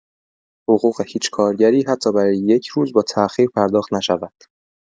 حقوق هیچ کارگری حتی برای یک روز با تاخیر پرداخت نشود.